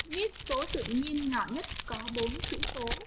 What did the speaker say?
viết số tự nhiên nhỏ nhất có bốn chữ số